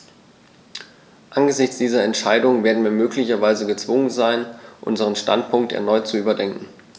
Angesichts dieser Entscheidung werden wir möglicherweise gezwungen sein, unseren Standpunkt erneut zu überdenken.